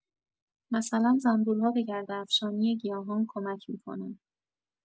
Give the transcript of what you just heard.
مثلا زنبورها به گرده‌افشانی گیاهان کمک می‌کنن